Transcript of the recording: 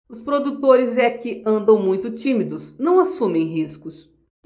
os produtores é que andam muito tímidos não assumem riscos